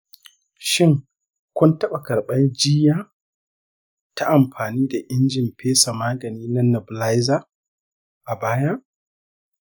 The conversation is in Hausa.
shin kun taɓa karɓar jiyya ta amfani da injin fesa magani na nebulizer a baya?